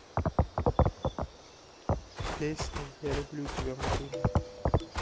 песня я люблю тебя марина